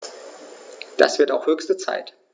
Das wird auch höchste Zeit!